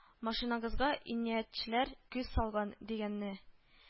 Машинагызга инаятьчеләр күз салган, дигәнне